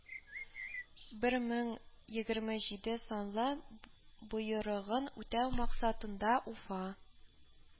Бер мең егерме җиде санлы боерыгын үтәү максатында, уфа